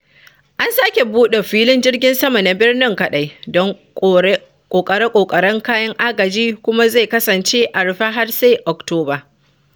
An sake buɗe filin jirgin sama na birnin kaɗai don ƙoƙare-ƙoƙaren kayan agaji kuma zai kasance a rufe sai har Octoba.